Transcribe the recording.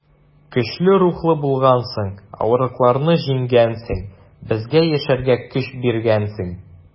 Көчле рухлы булгансың, авырлыкларны җиңгәнсең, безгә яшәргә көч биргәнсең.